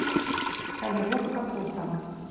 полировка кузова